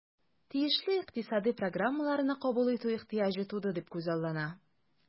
Тиешле икътисадый программаларны кабул итү ихтыяҗы туды дип күзаллана.